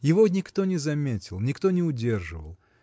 его никто не заметил, никто не удерживал